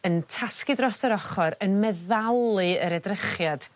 yn tasgu dros yr ochor yn meddalu yr edrychiad.